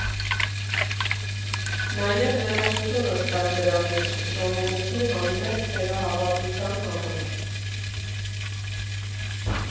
Նաև ներողությունս կար դրա մեջ, ժողովրդի հանդեպ թերահավատության համար։